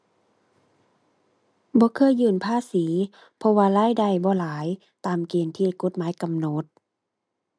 บ่เคยยื่นภาษี เพราะว่ารายได้บ่หลาย ตามเกณฑ์ที่กฎหมายกำหนด